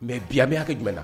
Mɛ biya ka jumɛn na